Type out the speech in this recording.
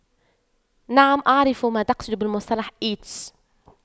نعم اعرف ما تقصد بالمصطلح إيدز